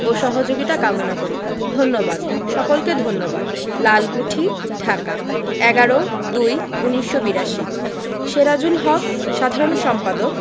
ও সহযোগিতা কামনা করি ধন্যবাদ সকলকে ধন্যবাদ লালকুঠি ঢাকা ১১ ০২ ১৯৮২ সেরাজুল হক সাধারণ সম্পাদক